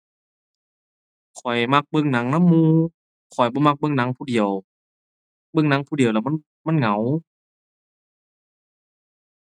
ข้อยมักเบิ่งหนังนำหมู่ ข้อยบ่มักเบิ่งหนังผู้เดียว เบิ่งหนังผู้เดียวละมัน มันเหงา